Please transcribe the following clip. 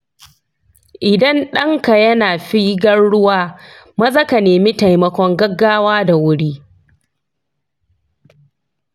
idan danka yana figar ruwa, maza ka nemi taimakon gaggawa da wuri.